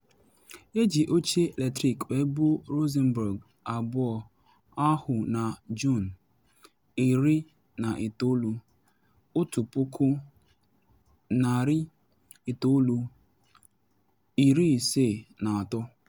Eji oche latrik wee gbuo Rosenberg abụọ ahụ na Juun 19, 1953.